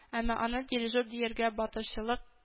Әмма аны Дирижер дияргә батырчылык